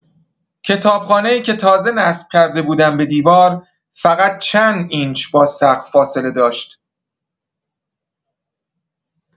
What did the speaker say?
کتابخانه‌ای که تازه نصب کرده بودم به دیوار، فقط چند اینچ با سقف فاصله داشت.